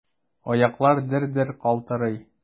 Аяклар дер-дер калтырый.